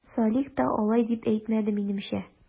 Салих та алай дип әйтмәде, минемчә...